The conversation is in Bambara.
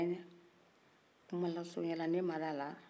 kuma la suruya la ne ma daala